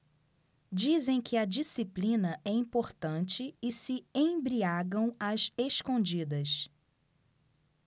dizem que a disciplina é importante e se embriagam às escondidas